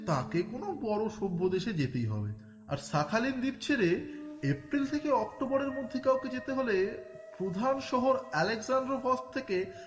তাকে কোনো বড় সভ্য দেশে যেতেই হবে আর শাখালিন দ্বীপ ছেড়ে এপ্রিল থেকে অক্টোবরের মধ্যে কাউকে যেতে হলে প্রধান শহর আলেক্সান্দ্রভসক থেকে